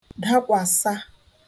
dakwàsa